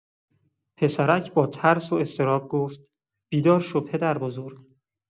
پسرک با ترس و اضطراب گفت: «بیدار شو پدربزرگ.»